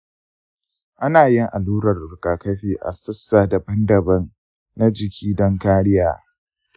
ana yin allurar rigakafi a sassa daban-daban na jiki don kariya.